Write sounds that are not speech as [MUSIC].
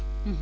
[HESITATION] [HESITATION]